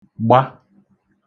gba